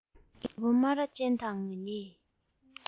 རྒད པོ སྨ ར ཅན དང ང གཉིས